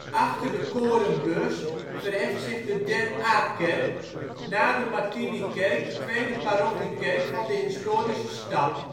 Achter de Korenbeurs verheft zich de Der Aa-kerk, na de Martinikerk de tweede parochiekerk van de historische stad